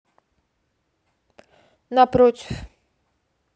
напротив